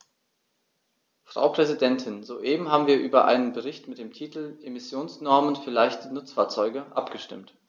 Frau Präsidentin, soeben haben wir über einen Bericht mit dem Titel "Emissionsnormen für leichte Nutzfahrzeuge" abgestimmt.